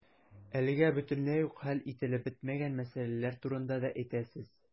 Әлегә бөтенләй үк хәл ителеп бетмәгән мәсьәләләр турында да әйтәсез.